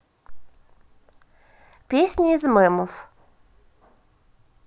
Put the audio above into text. песня из мемов